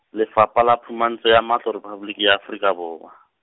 Lefapha la Phumantsho ya Matlo Rephaboliki ya Afrika Borwa.